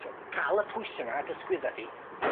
T'wo' ca'l y pwyse 'na ar dy sgwydda di.